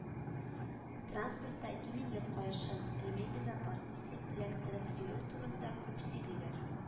Траспортта иминлек каешын (ремень безопасности) эләктереп йөрү турында күп сөйлиләр